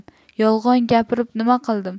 yolg'on gapirib nima qildim